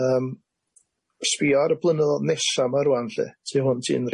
Yym sbïo ar y blynyddodd nesa' 'ma rŵan lly tu hwnt i unryw